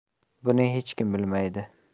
buni hech kim bilmaydi